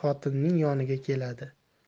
xotinning yoniga keladi